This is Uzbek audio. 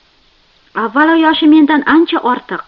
avvalo yoshi mendan ancha ortiq